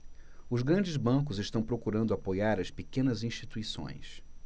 os grandes bancos estão procurando apoiar as pequenas instituições